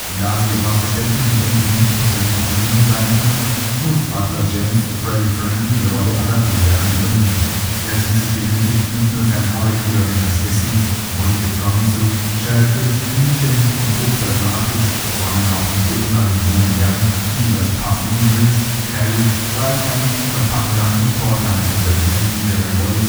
Da sie aus verständlichen Gründen nicht persönlich anwesend sein können, muss Butler James (Freddy Frinton) die Rolle aller vier Herren übernehmen. Er sieht sich genötigt, nicht nur seiner Arbeitgeberin das Essen (Mulligatawny Soup, Schellfisch, Hühnchen und Obst als Nachtisch), sondern auch den vier imaginären Herren die jeweils passenden Drinks (Sherry, Weißwein, Champagner und Portwein) zu servieren, in ihre Rolle